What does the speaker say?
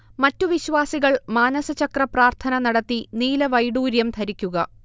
മറ്റു വിശ്വാസികൾ മാനസചക്ര പ്രാർത്ഥന നടത്തി നീലവൈഢൂര്യം ധരിക്കുക